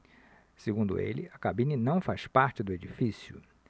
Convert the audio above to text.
segundo ele a cabine não faz parte do edifício